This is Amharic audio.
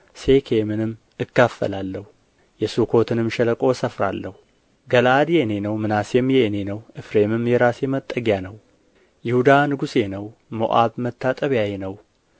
ሴኬምንም እካፈላለሁ የሱኮትንም ሸለቆ እሰፍራለሁ ገለዓድ የእኔ ነው ምናሴም የእኔ ነው ኤፍሬም የራሴ መጠጊያ ነው ይሁዳ ንጉሤ ነው ሞዓብ መታጠቢያዬ ነው